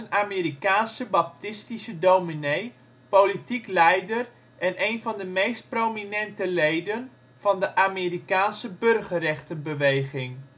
Amerikaanse baptistische dominee, politiek leider en een van de meest prominente leden van de Amerikaanse burgerrechtenbeweging